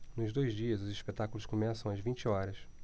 nos dois dias os espetáculos começam às vinte horas